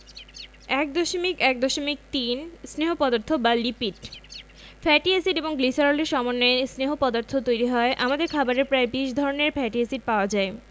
১.১.৩ স্নেহ পদার্থ বা লিপিড ফ্যাটি এসিড এবং গ্লিসারলের সমন্বয়ে স্নেহ পদার্থ তৈরি হয় আমাদের খাবারে প্রায় ২০ ধরনের ফ্যাটি এসিড পাওয়া যায়